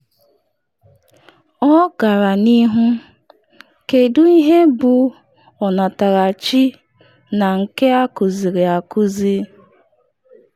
Ọ gara n’ihu: ‘Kedu ihe bụ ọnatarachi na nke akuziri akuzi?